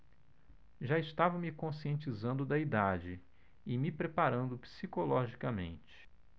já estava me conscientizando da idade e me preparando psicologicamente